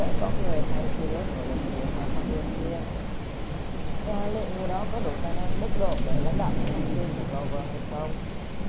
sẽ có người thay julius ngồi lên chiếc ghế mpv kia và liệu người đó có đủ tài năng đức độ để lãnh đạo các pháp sư của clover hay không